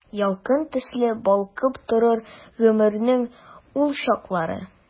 Ялкын төсле балкып торыр гомернең ул чаклары.